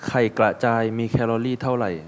ไข่กระจายมีแคลอรี่เท่าไหร่